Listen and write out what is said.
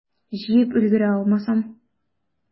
Җыеп өлгерә алмасам?